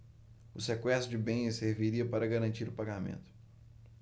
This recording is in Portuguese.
o sequestro de bens serviria para garantir o pagamento